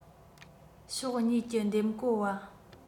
ཕྱོགས གཉིས གྱི འདེམས སྐོ བ